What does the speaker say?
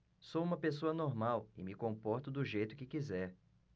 sou homossexual e me comporto do jeito que quiser